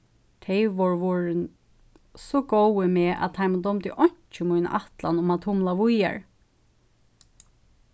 tey vóru vorðin so góð við meg at teimum dámdi einki mína ætlan um at tumla víðari